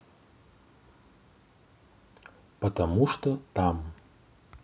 потому что там